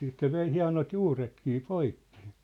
siitä se vei hienot juuretkin poikki